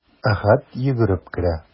Әхәт йөгереп керә.